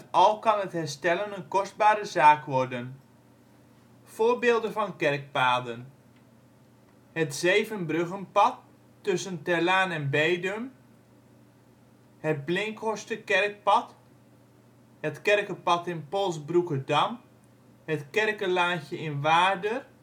Al met al kan het herstellen een kostbare zaak worden. Voorbeelden van kerkpaden: het Zevenbruggenpad tussen Ter Laan en Bedum het Blinkhorsterkerkpad het Kerkenpad in Polsbroekerdam het Kerkelaantje in Waarder